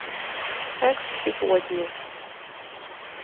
секс сегодня